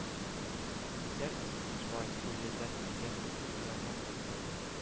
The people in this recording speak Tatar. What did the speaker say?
Битләрен искиткеч бай, куе, дәртле, ямьле төс-буяулар белән бизәде